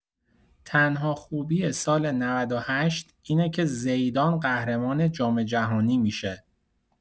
تنها خوبی سال ۹۸ اینه که زیدان قهرمان جام‌جهانی می‌شه.